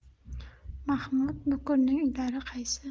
mahmud bukurning uylari qaysi